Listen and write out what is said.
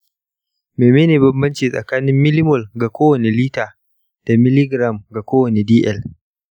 mene ne bambanci tsakanin mmol ga kowane l da mg ga kowane dl?